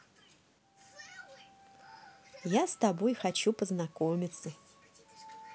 я с тобой хочу познакомиться